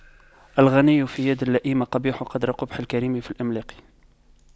الغنى في يد اللئيم قبيح قدر قبح الكريم في الإملاق